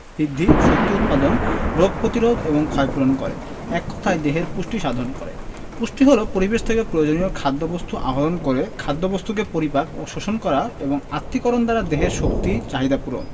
বৃদ্ধি শক্তি উৎপাদন রোগ প্রতিরোধ এবং ক্ষয়পূরণ করে এক কথায় দেহের পুষ্টি সাধন করে পুষ্টি হলো পরিবেশ থেকে প্রয়োজনীয় খাদ্যবস্তু আহরণ করে খাদ্যবস্তুকে পরিপাক ও শোষণ করা এবং আত্তীকরণ দ্বারা দেহের শক্তির চাহিদা পূরণ